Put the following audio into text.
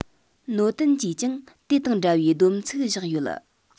ནོ ཏན གྱིས ཀྱང དེ དང འདྲ བའི བསྡོམས ཚིག བཞག ཡོད